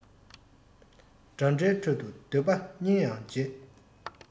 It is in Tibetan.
འདྲ འདྲའི ཁྲོད དུ སྡོད པ སྙིང ཡང རྗེ